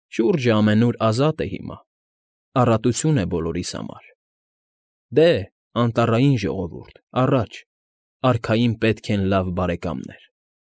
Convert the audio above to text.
Շուրջը ամենուր ազատ է հիմա, Առատություն է բոլորիս համար, Դե, Անտառային Ժողովուրդ, առաջ, Արքային պետք են լավ բարեկամներ։